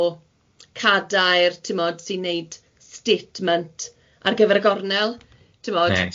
o cadair ti'mod sy'n neud stetmynt ar gyfer y gornel ti'mod.